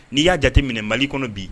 N'i y'a jateminɛ Mali kɔnɔ bi.